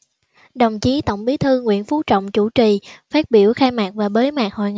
đồng chí tổng bí thư nguyễn phú trọng chủ trì phát biểu khai mạc và bế mạc hội